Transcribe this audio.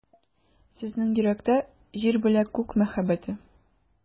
Сезнең йөрәктә — Җир белә Күк мәхәббәте.